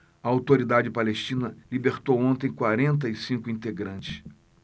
a autoridade palestina libertou ontem quarenta e cinco integrantes